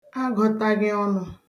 agụ̄taghị ọnụ̄